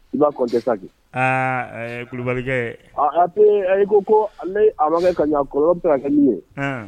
I b'a kɔn tɛ saki kulubalikɛ aa api ayi ko ko ale akɛ kaɲa kɔrɔ bɛ kɛ min ye